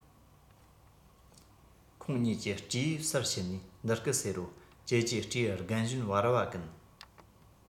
ཁོང གཉིས ཀྱི སྤྲེའུའི སར ཕྱིན ནས འདི སྐད ཟེར རོ ཀྱེ ཀྱེ སྤྲེའུ རྒན གཞོན བར བ ཀུན